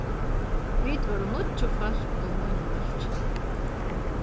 vit vóru níggju fólk í mínum bólki